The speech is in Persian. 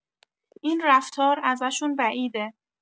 این رفتار ازشون بعیده